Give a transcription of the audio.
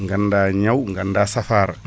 ganda niaw ganda safara